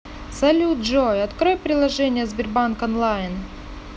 салют джой открой приложение сбербанк онлайн